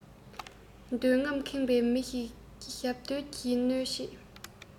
འདོད རྔམས ཁེངས པ མེད པའི ཞབས བརྡོལ གྱི གནོད ཆས